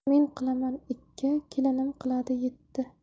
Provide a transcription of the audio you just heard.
men qilaman ikki kelinim qiladi yetti